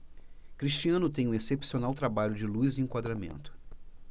cristiano tem um excepcional trabalho de luz e enquadramento